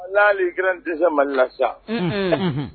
N'ale i garan dɛsɛse mali laya